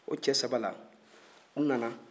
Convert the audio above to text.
o ce saba la u nana